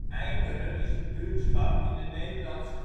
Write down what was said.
Eimeren is een buurtschap in de Nederlandse